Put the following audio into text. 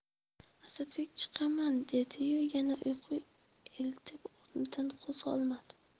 asadbek chiqaman dedi yu yana uyqu elitib o'rnidan qo'zg'olmadi